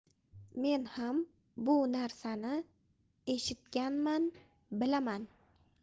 men ham bu narsani eshitganman bilaman